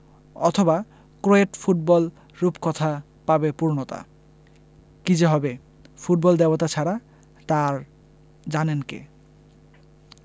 অথবা Croat football রূপকথা পাবে পূর্ণতা কী যে হবে ফুটবল দেবতা ছাড়া তা আর জানেন কে